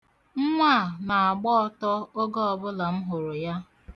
Nwa a na-agba ọtọ oge ọbụla m hụrụ ya.